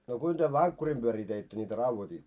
no kuinka työ vankkurin pyöriä teitte niitä raudoititte